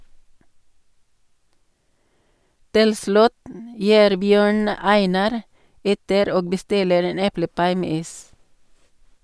Til slutt gir Bjørn Einar etter og bestiller en eplepai med is.